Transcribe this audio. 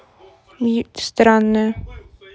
ебать ты странная